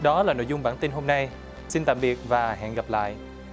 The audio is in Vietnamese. đó là nội dung bản tin hôm nay xin tạm biệt và hẹn gặp lại